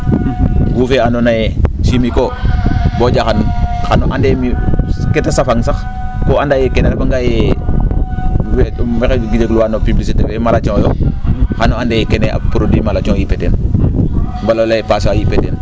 gout fee andoona yee chimique o bo o ?axan xano and ee kee ta safang sax koo anda yee maxey jeeluwa no publicité fee maracawo xano and ee kene produit malacaw yipe teen mbala o lay ee pasaw yipe ten